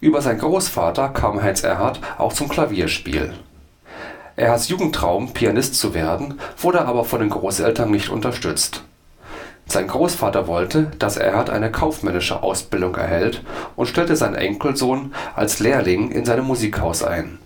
Über seinen Großvater kam Heinz Erhardt auch zum Klavierspiel. Erhardts Jugendtraum, Pianist zu werden, wurde aber von den Großeltern nicht unterstützt. Sein Großvater wollte, dass Erhardt eine kaufmännische Ausbildung erhält, und stellte seinen Enkelsohn als Lehrling in seinem Musikhaus ein